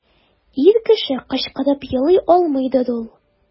Ир кеше кычкырып елый алмыйдыр ул.